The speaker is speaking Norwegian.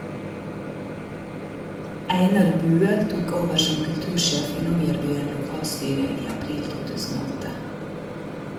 Einar Buø tok over som kultursjef i Longyearbyen lokalstyre i april 2008.